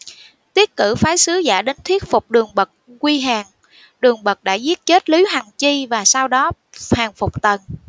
tiết cử phái sứ giả đến thuyết phục đường bật quy hàng đường bật đã giết chết lý hoằng chi và sau đó hàng phục tần